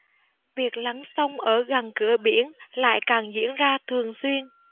việc lấn sông ở gần cửa biển lại càng diễn ra thường xuyên